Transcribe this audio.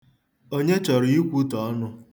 Onye chọrọ ikwutọ ọnụ?